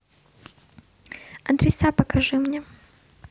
адреса покажи мне